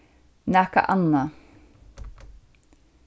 nakað annað